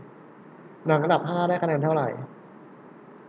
หนังอันดับห้าได้คะแนนเท่าไหร่